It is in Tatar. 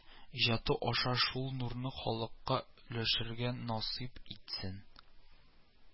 Иҗаты аша шул нурны халыкка өләшергә насыйп итсен